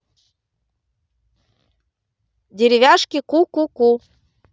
деревяшки ку ку ку